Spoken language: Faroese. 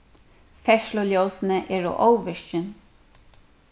ferðsluljósini eru óvirkin